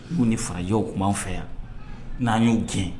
Uu ni farajɛw tun b'anw fɛ yan n'an y'u gɛn!